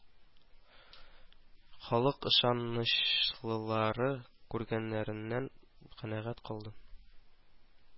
Халык ышанычлылары күргәннәреннән канәгать калды